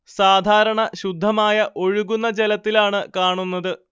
സാധാരണ ശുദ്ധമായ ഒഴുകുന്ന ജലത്തിലാണു കാണുന്നത്